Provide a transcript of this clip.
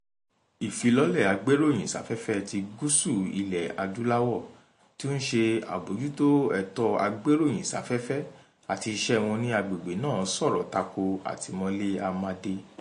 Ìfilọ́lẹ̀ Agbéròyìn Sáfẹ́fẹ́ ti Gúúsù Ilẹ̀ Adúláwò, tí ó ń ṣe àbójútó ẹ̀tọ́ agbéròyìn sáfẹ́fẹ́ àti iṣẹ́ wọn ní agbègbè náà sọ̀rọ̀ tako àtìmọ́lé Amade: